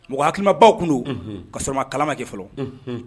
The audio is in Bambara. Mɔgɔ hakilima baw tun don ka sɔrɔ ma kalama kɛ fɔlɔ